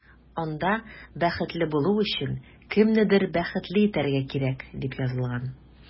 Анда “Бәхетле булу өчен кемнедер бәхетле итәргә кирәк”, дип язылган.